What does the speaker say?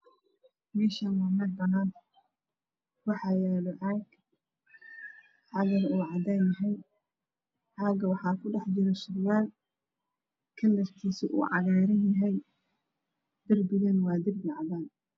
Meeshan waxaa yaalo caag midabkiisuna waa cadan waxana ku dhexjiro surwaal kalarkisana waa cagar surwaalka darbigana wa cadaan